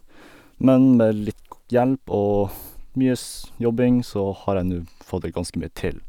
Men med litt go hjelp og mye s jobbing så har jeg nå fått det ganske mye til.